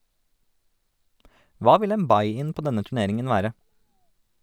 Hva vil en buy-in på denne turneringen være?